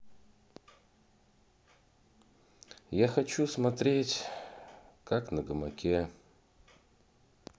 я хочу смотреть как на гамаке